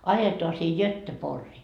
ajetaan sinne Göteborgiin